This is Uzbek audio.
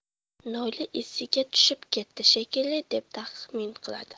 noila esiga tushib ketdi shekilli deb taxmin qiladi